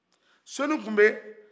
soningube